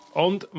ond